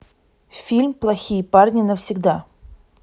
фильм плохие парни навсегда